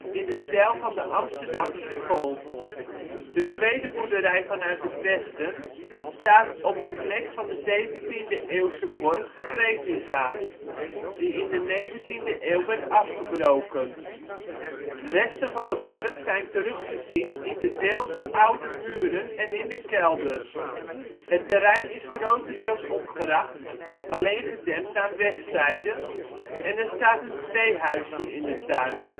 in de stijl van de Amsterdamse School. De tweede boerderij vanuit het westen staat op de plek van de 17e eeuwse borg Grevinga, die in de 19e eeuw werd afgebroken. Resten van de borg zijn terug te zien in de deels oude muren en in de kelder. Het terrein is grotendeels omgracht (alleen gedempt aan wegzijde) en er staat een theehuisje in de tuin